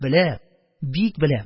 Беләм, бик беләм: